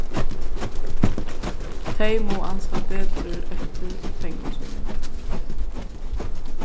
tey mugu ansa betur eftir pengum sínum